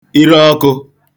irọọkụ̄